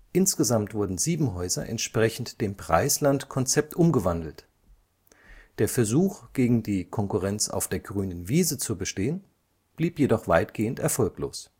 Insgesamt wurden sieben Häuser entsprechend dem Preisland-Konzept umgewandelt. Der Versuch, gegen die Konkurrenz „ auf der grünen Wiese “zu bestehen, blieb jedoch weitgehend erfolglos